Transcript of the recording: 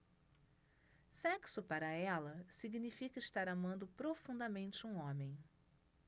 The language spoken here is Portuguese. sexo para ela significa estar amando profundamente um homem